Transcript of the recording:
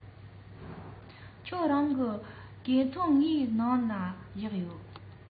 ཁྱེད རང གི གོས ཐུང ངའི ནང ལ བཞག ཡོད